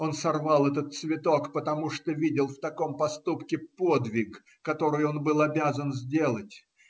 Он сорвал этот цветок, потому что видел в таком поступке подвиг, который он был обязан сделать.